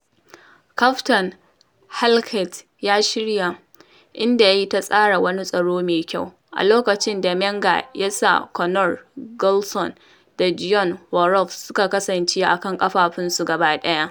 Rangers sun kusan rasa ƙarfin gwiwa, duk da.